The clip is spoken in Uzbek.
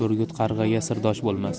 burgut qarg'aga sirdosh bo'lmas